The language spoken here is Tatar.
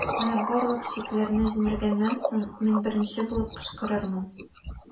Менә барлык чикләрне җимергәннән соң, мин беренче булып кычкырырмын.